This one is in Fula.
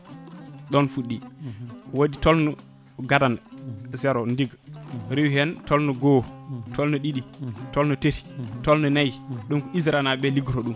ɗon fuɗɗi waɗi tolno gadana zéro diiga rewi hen tolno goho tolno ɗiɗi tolno tati tolno naayi ɗum ko ISRA naaɓeliggoto ɗum